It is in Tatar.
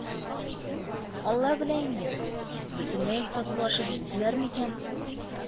«алла белә инде, бөтенләй үк татулашып җиттеләрме икән?»